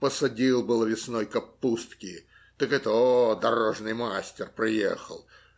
Посадил было весной капустки, так и то дорожный мастер приехал.